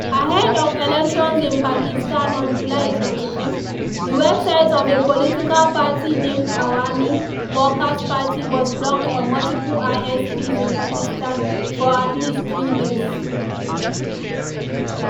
Ahead of elections in Pakistan on July 25, the website of a political party named Awami Workers Party was blocked on multiple ISPs in Pakistan for at least three days.